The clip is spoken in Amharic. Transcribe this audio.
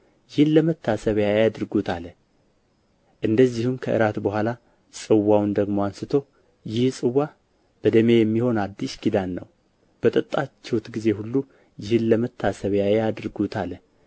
ይህን ለመታሰቢያዬ አድርጉት አለ እንደዚሁም ከእራት በኋላ ጽዋውን ደግሞ አንሥቶ ይህ ጽዋ በደሜ የሚሆን አዲስ ኪዳን ነው በጠጣችሁት ጊዜ ሁሉ ይህን ለመታሰቢያዬ አድርጉት አለ